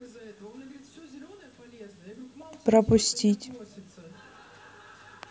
пропустить